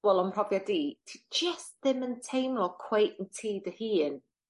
wel o'm mhrofiad i ti jyst ddim yn teimlo cweit yn ti dy hun.